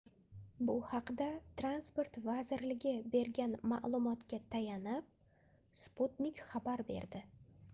bu haqda transport vazirligi bergan ma'lumotga tayanib sputnik xabar berdi